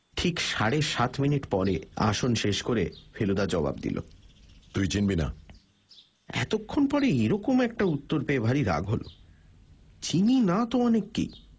ঠিক সাড়ে সাত মিনিট পরে আসন শেষ করে ফেলুদা জবাব দিল তুই চিনবি না এতক্ষণ পরে এরকম একটা উত্তর পেয়ে ভারী রাগ হল চিনি না তো অনেককেই